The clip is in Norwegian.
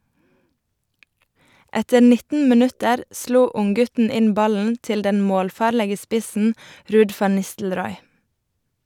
Etter 19 minutter slo unggutten inn ballen til den målfarlige spissen Ruud van Nistelrooy.